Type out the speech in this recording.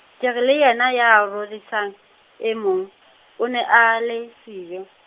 ke re le yena ya rorisang, e mong, o ne a le, siyo.